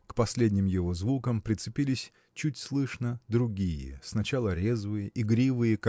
К последним его звукам прицепились чуть слышно другие сначала резвые игривые